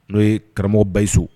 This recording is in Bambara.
N'o ye karamɔgɔ Bayisu